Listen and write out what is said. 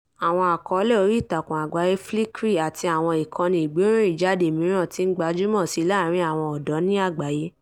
Àwọn àkọọ́lẹ̀ oríìtakùn àgbáyé, Flickr àti àwọn ìkànnì ìgbéròyìnjáde mìíràn ti ń gbajúmọ̀ síi láàárín àwọn ọ̀dọ́ ní àgbáyé.